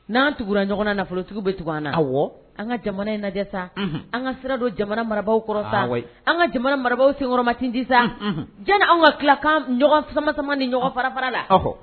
N'an tugu ɲɔgɔn na nafolotigiw bɛ tugu an na a an ka jamana in lajɛ sa an ka sira don jamana marabagaw kɔrɔ an ka jamana mara senkɔrɔmatidisa j anw ka tilakan samamama ni ɲɔgɔn farabara la